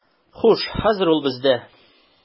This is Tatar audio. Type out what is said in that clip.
Хуш, хәзер ул бездә.